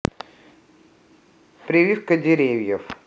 прививка деревьев